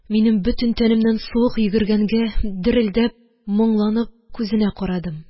Минем бөтен тәнемнән суык йөгергәнгә, дерелдәп, моңланып, күзенә карадым.